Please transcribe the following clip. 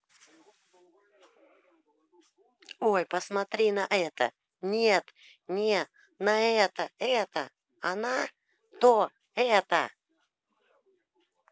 ой посмотри на это нет не на это это она то это